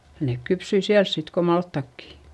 ne kypsyi siellä sitten kuin maltaatkin